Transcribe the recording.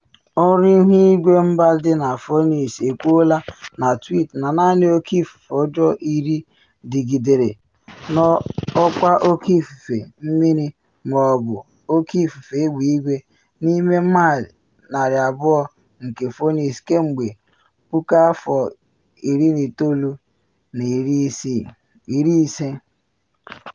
Ọrụ Ihuigwe Mba dị na Phoenix ekwuola na twit na naanị “oke ifufe ọjọọ iri dịgidere n’ọkwa oke ikuku mmiri ma ọ bụ oke ifufe egbe-igwe n’ime maịlụ 200 nke Phoenix kemgbe 1950!